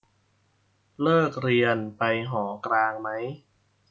เลิกเรียนไปหอกลางมั้ย